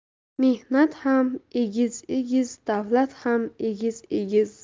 mehnat ham egiz egiz davlat ham egiz egiz